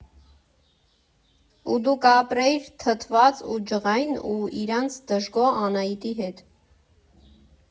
Ու դու կապրեիր թթված ու ջղային ու իրանց դժգոհ Անահիտի հետ։